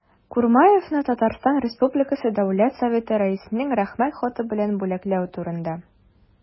И.Х. Курмаевны Татарстан республикасы дәүләт советы рәисенең рәхмәт хаты белән бүләкләү турында